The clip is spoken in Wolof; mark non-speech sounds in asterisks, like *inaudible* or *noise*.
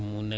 *hesitation* *hesitation*